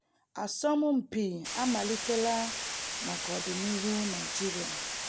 Asọmụmpi amaliteela maka ọdịnihu Nigeria